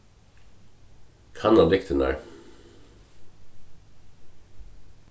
kanna lyktirnar